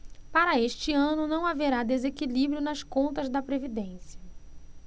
para este ano não haverá desequilíbrio nas contas da previdência